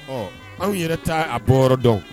Ɔ anw yɛrɛ taa a bɔ dɔn